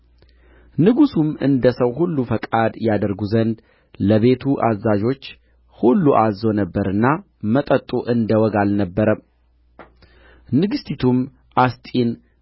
ንጉሡም እንደ ሰው ሁሉ ፈቃድ ያደርጉ ዘንድ ለቤቱ አዛዦች ሁሉ አዝዞ ነበርና መጠጡ እንደ ወግ አልነበረም ንግሥቲቱም አስጢን